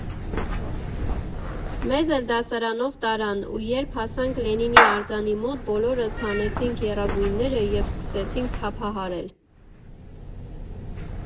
Մեզ էլ դասարանով տարան, ու երբ հասանք Լենինի արձանի մոտ, բոլորս հանեցինք եռագույնները և սկսեցինք թափահարել։